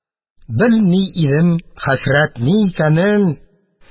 Белми идем хәсрәт ни икәнен